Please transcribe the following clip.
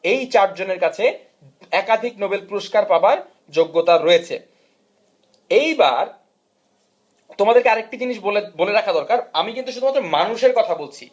এই চার জনের কাছে একাধিক নোবেল পুরস্কার পাবার যোগ্যতা রয়েছে বার তোমাদেরকে আরেকটা জিনিস বলে রাখা দরকার আমি কিন্তু শুধুমাত্র মানুষের কথা বলছি